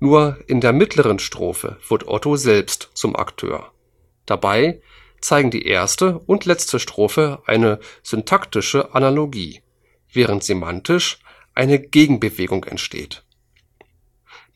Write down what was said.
Nur in der mittleren Strophe wird Otto selbst zum Akteur. Dabei zeigen die erste und letzte Strophe eine syntaktische Analogie, während semantisch eine Gegenbewegung entsteht: